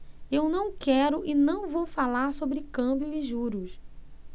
eu não quero e não vou falar sobre câmbio e juros